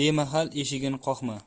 bemahal eshigin qoqma